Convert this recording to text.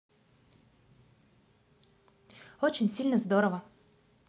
очень сильно здорово